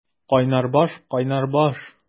Кайнар баш, кайнар баш!